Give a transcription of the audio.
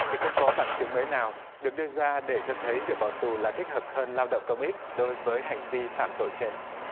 thì không có bằng chứng mới nào được đưa ra để cho thấy việc bỏ tù là thích hợp hơn lao động công ích đối với hành vi phạm tội trên